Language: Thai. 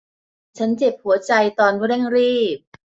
ฉันเจ็บหัวใจตอนเร่งรีบ